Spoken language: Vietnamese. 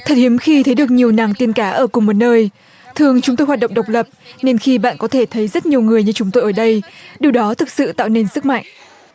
thật hiếm khi thấy được nhiều nàng tiên cá ở cùng một nơi thường chúng tôi hoạt động độc lập nên khi bạn có thể thấy rất nhiều người như chúng tôi ở đây điều đó thực sự tạo nên sức mạnh